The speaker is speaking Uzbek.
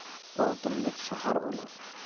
botirlik shahar olar